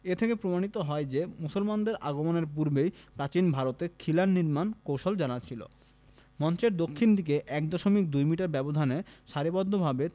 এ থেকে প্রমাণিত হয় যে মুসলমানদের আগমনের পূর্বেই প্রাচীন ভারতে খিলান নির্মাণ কৌশল জানা ছিল মঞ্চের দক্ষিণ দিকে ১ দশমিক ২ মিটার ব্যবধানে সারিবদ্ধভাবে